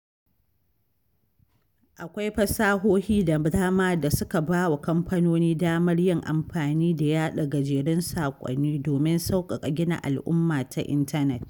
Akwai fasahohi da dama da suka ba wa kamfanoni damar yin amfani da yaɗa gajerun saƙonni domin sauƙaƙa gina al'umma ta intanet.